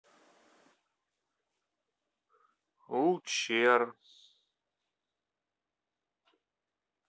у чер